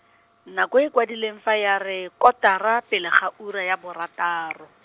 nako e kwadileng fa ya re kotara pele ga ura ya borataro.